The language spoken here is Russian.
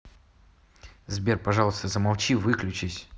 сбер пожалуйста замолчи выключись